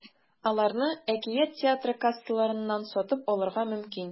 Аларны “Әкият” театры кассаларыннан сатып алырга мөмкин.